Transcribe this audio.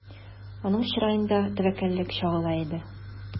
Аның чыраенда тәвәккәллек чагыла иде.